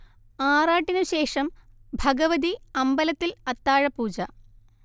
ആറാട്ടിനുശേഷം ഭഗവതി അമ്പലത്തിൽ അത്താഴപൂജ